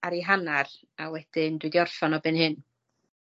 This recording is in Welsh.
ar ei hannarm a wedyn dwi 'di orffan o byn hyn.